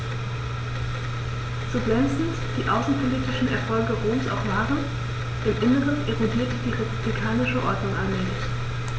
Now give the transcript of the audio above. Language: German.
So glänzend die außenpolitischen Erfolge Roms auch waren: Im Inneren erodierte die republikanische Ordnung allmählich.